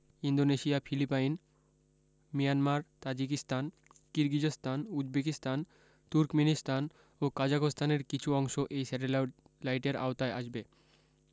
Indonesia Philippines Myanmar Tajikistan Kyrgyzstan Uzbekistan Turkmenistan ও কাজাখস্তানের কিছু অংশ এই স্যাটেলাইটের আওতায় আসবে